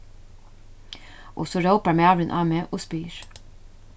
og so rópar maðurin á meg og spyr